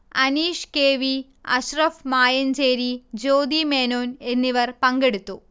Aneesh K. V, Ashraf Mayancheri, Jyothi Menon എന്നിവർ പങ്കെടുത്തു